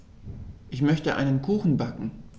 Ich möchte einen Kuchen backen.